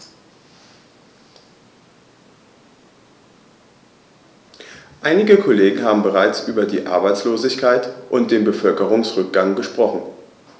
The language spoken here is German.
Einige Kollegen haben bereits über die Arbeitslosigkeit und den Bevölkerungsrückgang gesprochen.